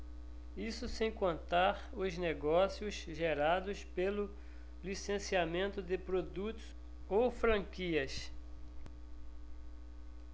isso sem contar os negócios gerados pelo licenciamento de produtos ou franquias